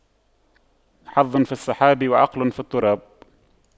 حظ في السحاب وعقل في التراب